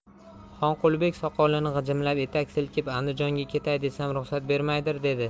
xonqulibek soqolini g'ijimlab etak silkib andijonga ketay desam ruxsat bermaydir dedi